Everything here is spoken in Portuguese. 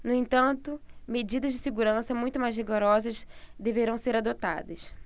no entanto medidas de segurança muito mais rigorosas deverão ser adotadas